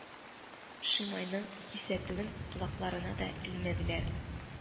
– шимайның кисәтүен колакларына да элмәделәр